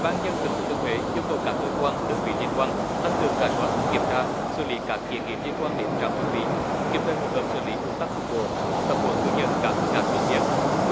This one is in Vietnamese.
ban dân tỉnh thừa thiên huế yêu cầu các cơ quan đơn vị liên quan tăng cường rà soát kiểm tra xử lý các kiến nghị liên quan đến trạm thu phí kịp thời phối hợp xử lý ùn tắc cục bộ tập huấn hướng dẫn các phương án cần thiết